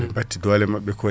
ɓe batti doole mabɓee koyyi